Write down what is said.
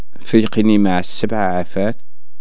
فيقيني مع السبعة عافاك